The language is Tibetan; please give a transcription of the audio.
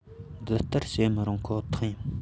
འདི ལྟར བཤད མི རུང ཁོ ཐག ཡིན